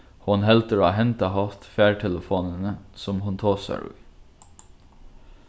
hon heldur á henda hátt fartelefonini sum hon tosar í